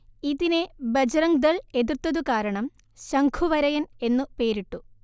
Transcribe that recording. ഇതിനെ ബജ്റംഗ്ദൾ എതിർത്തതുകാരണം 'ശംഖുവരയൻ' എന്ന് പേരിട്ടു